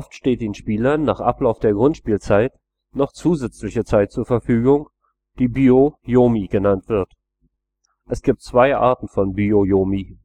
steht den Spielern nach Ablauf der Grundspielzeit noch zusätzliche Zeit zur Verfügung, die Byo-Yomi genannt wird. Es gibt zwei Arten von Byo-Yomi